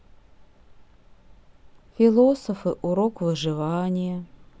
философы урок выживания